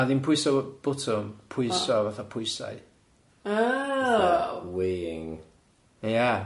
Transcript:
Na ddim pwyso b- botwm. Oh. Pwyso fatha pwysau. Ah. Fatha weighing ia?